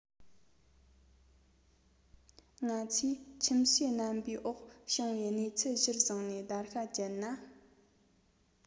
ང ཚོས ཁྱིམ གསོས རྣམ པའི འོག བྱུང བའི གནས ཚུལ གཞིར བཟུང ནས བརྡར ཤ བཅད ན